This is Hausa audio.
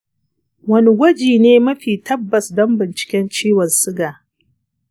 wani gwaji ne mafi tabbas don binciken ciwon suga?